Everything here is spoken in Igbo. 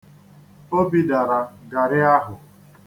O bidara garrị ahụ